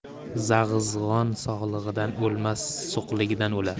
zag'izg'on sog'ligidan o'lmas suqligidan o'lar